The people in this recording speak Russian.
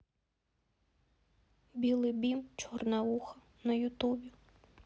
белый бим черное ухо на ютубе